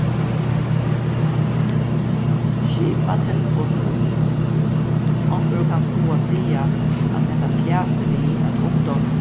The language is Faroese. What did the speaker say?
skipað tilboð til ung onkur hevur kanska hug at siga at hetta fjasið við at ungdómurin